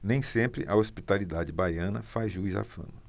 nem sempre a hospitalidade baiana faz jus à fama